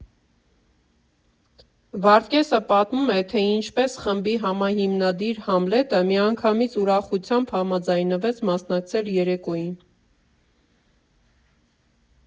Վարդգեսը պատմում է, թե ինչպես խմբի համահիմնադիր Համլետը միանգամից ուրախությամբ համաձայնվեց մասնակցել երեկոյին.